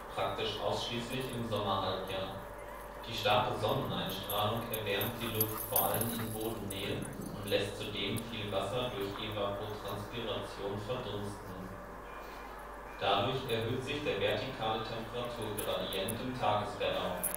ausschließlich im Sommerhalbjahr. Die starke Sonneneinstrahlung erwärmt die Luft vor allem in Bodennähe und lässt zudem viel Wasser durch Evapotranspiration verdunsten. Dadurch erhöht sich der vertikale Temperaturgradient im Tagesverlauf